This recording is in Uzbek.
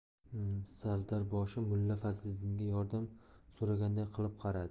savdarboshi mulla fazliddinga yordam so'raganday qilib qaradi